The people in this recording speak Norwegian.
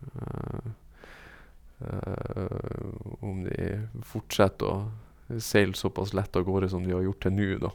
Om de fortsetter å seile såpass lett avgårde som de har gjort til nu, da.